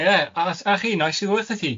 Ie a- a- chi, nais i wyrthyt ti.